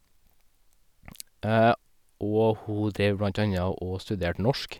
Og hun dreiv blant anna og studerte norsk.